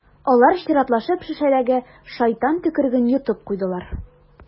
Алар чиратлашып шешәдәге «шайтан төкереге»н йотып куйдылар.